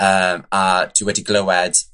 yy a dwi wedi glywed